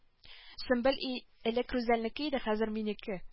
С мбел элек рүдәлнеке иде хәзер минеке